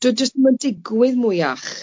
dyw e jyst ddim yn digwydd mwyach.